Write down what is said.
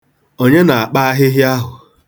Onye na-akpa ahịhịa ahụ.